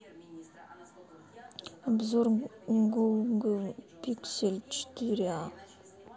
обзор гугл пиксель четыре а